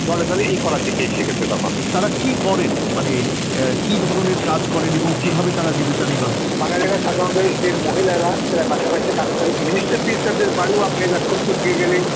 দলে দলে এই করাচিতে এসে গেছেন তখন করেন মানে তারা কি ধরনের কাজ করেন কীভাবে তারা জীবিকা নির্বাহ করেন বাঙালিরা সাধারণত এদের মহিলারা বাসা বাড়িতে কাজ করেন মিনিস্টার টিনিস্টারদের বাড়িতেও আপনি খোঁজ করতে গেলেই